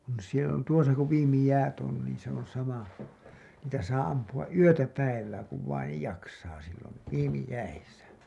on siellä tuossa kun viimeiset jäät on niin se on sama niitä saa ampua yötä päivää kun vain jaksaa silloin viimeiset jäissä